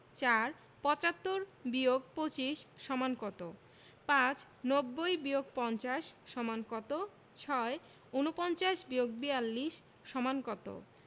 ৪ ৭৫-২৫ = কত ৫ ৯০-৫০ = কত ৬ ৪৯-৪২ = কত